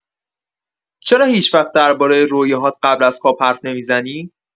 چرا هیچ‌وقت درباره رویاهات قبل از خواب حرف نمی‌زنی؟